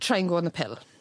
Try an' go on the pill.